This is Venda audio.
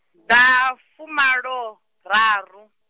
ḓafumaloraru.